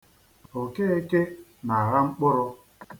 Okeke na-agha mkpụrụ.